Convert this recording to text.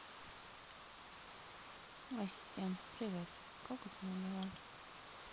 ассистент привет как у тебя дела